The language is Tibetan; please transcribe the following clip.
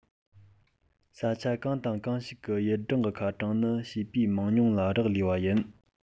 ས ཆ གང དང གང ཞིག གི ཡུལ སྦྲང གི ཁ གྲངས ནི བྱི བའི མང ཉུང ལ རག ལས པ ཡིན